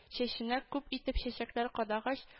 Чәченә күп итеп чәчәкләр кадагач